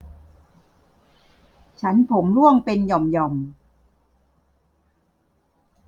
ฉันผมร่วงเป็นหย่อมหย่อม